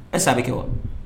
Est ce que a bɛ kɛ wa.